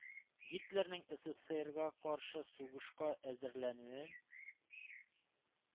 Гитлерның эсэсэсэрга каршы сугышка әзерләнүен